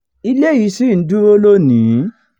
Ilé yìí ṣì ń dúró lónìí.